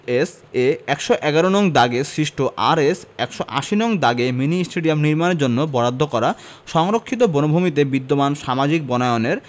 S A ১১১ নং দাগ থেকে সৃষ্ট আরএস ১৮০ নং দাগে মিনি স্টেডিয়াম নির্মাণের জন্য বরাদ্দ করা সংরক্ষিত বনভূমিতে বিদ্যমান সামাজিক বনায়নের